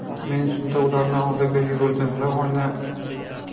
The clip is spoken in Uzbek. men shunda ularni oldiga yugurdim va